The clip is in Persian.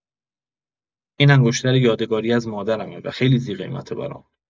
این انگشتره یادگاری از مادرمه و خیلی ذی‌قیمته برام.